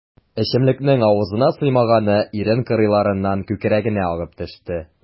Эчемлекнең авызына сыймаганы ирен кырыйларыннан күкрәгенә агып төште.